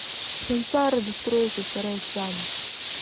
сансара достройте сарай сами